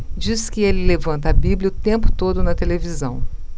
diz que ele levanta a bíblia o tempo todo na televisão